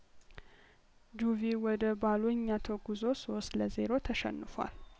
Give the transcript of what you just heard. ጁቪ ወደ ባሎኛ ተጉዞ ሶስት ለዜሮ ተሸንፏል